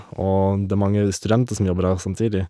Og det er mange studenter som jobber der samtidig.